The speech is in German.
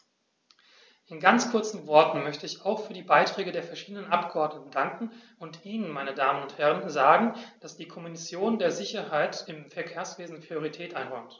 In ganz kurzen Worten möchte ich auch für die Beiträge der verschiedenen Abgeordneten danken und Ihnen, meine Damen und Herren, sagen, dass die Kommission der Sicherheit im Verkehrswesen Priorität einräumt.